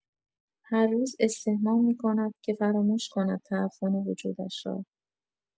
هر روز استحمام می‌کند که فراموش کند تعفن وجودش را.